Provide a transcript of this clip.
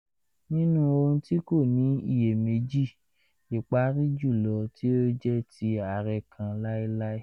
nínú ohun ti ko ni iyemeji "Ipari julọ ti o jẹ ti arẹ kan laelae!"